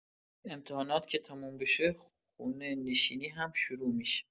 امتحانات که تموم بشه، خونه‌نشینی هم شروع می‌شه.